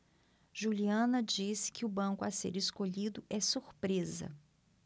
juliana disse que o banco a ser escolhido é surpresa